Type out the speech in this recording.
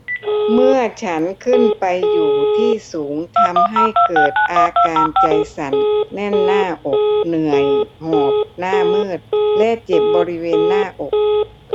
เมื่อฉันขึ้นไปอยู่ที่สูงทำให้เกิดอาการใจสั่นแน่นหน้าอกเหนื่อยหอบหน้ามืดและเจ็บบริเวณหน้าอก